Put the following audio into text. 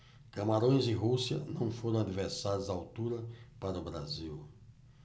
camarões e rússia não foram adversários à altura para o brasil